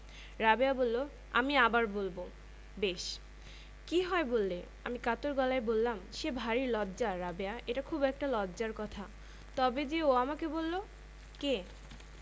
রাবেয়ার অশ্লীল কদৰ্য কথা তার না বুঝার কিছুই নেই লজ্জায় সে লাল হয়ে উঠেছিলো হয়তো সে কেঁদেই ফেলতো রুনু অল্পতেই কাঁদে আমি রাবেয়াকে বললাম ছিঃ রাবেয়া এসব বলতে আছে ছি